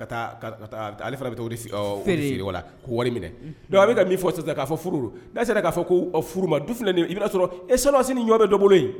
Ale fana bɛ sigi wari minɛ don a bɛ ka min fɔ sisan k'a fɔ furu dase k'a fɔ furu ma du i bɛna sɔrɔ e sɔlasi ni ɲɔ bɛ dɔ bolo